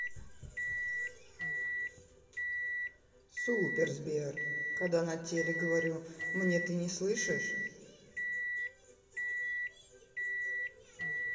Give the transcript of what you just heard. супер сбер когда на теле говорю мне ты не слышишь